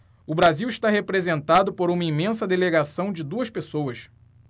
o brasil está representado por uma imensa delegação de duas pessoas